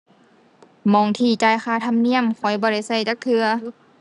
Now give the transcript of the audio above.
หม้องที่จ่ายค่าธรรมเนียมข้อยบ่ได้ใช้จักเทื่อ